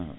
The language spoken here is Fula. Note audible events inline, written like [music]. [hesitation] [hesitation]